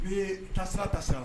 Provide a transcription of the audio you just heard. I bee taasira taasira la